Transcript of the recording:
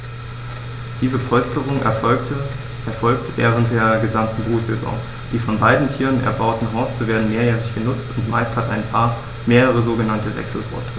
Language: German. Diese Polsterung erfolgt während der gesamten Brutsaison. Die von beiden Tieren erbauten Horste werden mehrjährig benutzt, und meist hat ein Paar mehrere sogenannte Wechselhorste.